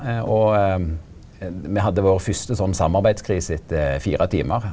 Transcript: og me hadde vår fyrste sånn samarbeidskrise etter fire timar.